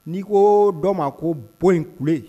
N'i ko dɔ ma ko bɔ in ku